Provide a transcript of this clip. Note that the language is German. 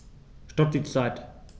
Stopp die Zeit